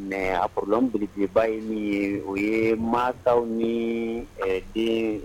Mais a problème belebeleba ye min ye o yee masaw nii ɛɛ deen